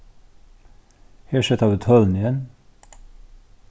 her seta vit tølini inn